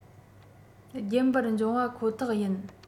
རྒྱུན པར འབྱུང བ ཁོ ཐག ཡིན